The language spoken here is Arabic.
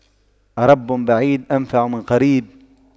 رب بعيد أنفع من قريب